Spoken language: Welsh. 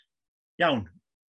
Iawn.